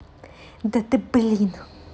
да ты блин